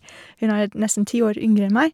Hun er dn nesten ti år yngre enn meg.